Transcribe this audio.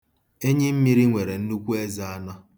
Enyimmiri nwere nnukwu eze anọ.